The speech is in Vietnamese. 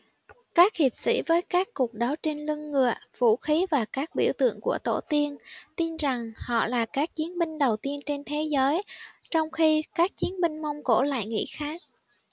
các hiệp sỹ với các cuộc đấu trên lưng ngựa vũ khí và các biểu tượng của tổ tiên tin rằng họ là các chiến binh đầu tiên trên thế giới trong khi các chiến binh mông cổ lại nghĩ khác